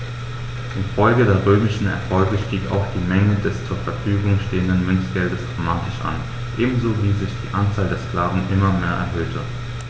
Infolge der römischen Erfolge stieg auch die Menge des zur Verfügung stehenden Münzgeldes dramatisch an, ebenso wie sich die Anzahl der Sklaven immer mehr erhöhte.